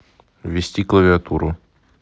ввести клавиатуру